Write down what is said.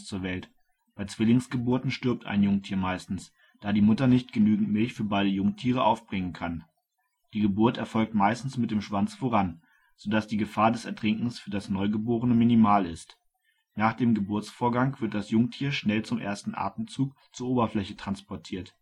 Welt, bei Zwillingsgeburten stirbt ein Jungtier meistens, da die Mutter nicht genügend Milch für beide Jungtiere aufbringen kann. Die Geburt erfolgt meistens mit dem Schwanz voran, so dass die Gefahr des Ertrinkens für das Neugeborene minimal ist. Nach dem Geburtsvorgang wird das Jungtier schnell zum ersten Atemzug zur Oberfläche transportiert